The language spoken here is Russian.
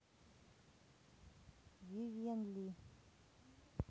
вивьен ли